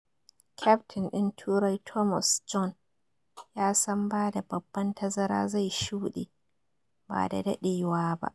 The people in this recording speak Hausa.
Kyaftin din Turai Thomas Bjorn ya san bada babban tazara zai shuɗe ba da daɗewa ba